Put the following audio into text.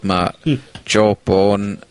...ma... Hmm. ...Jawbone